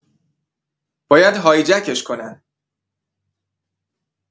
باید هایجکش کنن